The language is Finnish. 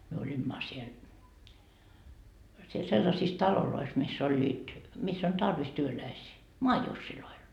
me olimme siellä siellä sellaisissa taloissa missä olivat missä on tarvis työläisiä maajusseilla